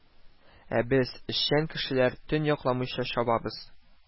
Ә без, эшчән кешеләр, төн йокламыйча чабабыз